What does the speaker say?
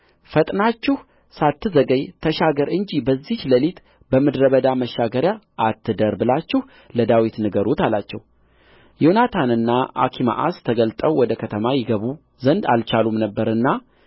ፈጥናችሁ ሳትዘገይ ተሻገር እንጂ በዚህች ሌሊት በምድረ በዳ መሻገሪያ አትደር ብላችሁ ለዳዊት ንገሩት አላቸው ዮናታንና አኪማአስ ተገልጠው ወደ ከተማ ይገቡ ዘንድ አልቻሉም ነበርና